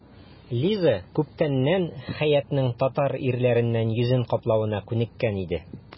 Лиза күптәннән Хәятның татар ирләреннән йөзен каплавына күнеккән иде.